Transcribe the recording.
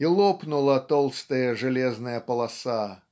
И лопнула толстая железная полоса